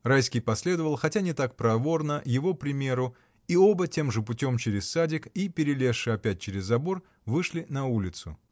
Райский последовал, хотя не так проворно, его примеру, и оба тем же путем, через садик, и перелезши опять через забор, вышли на улицу.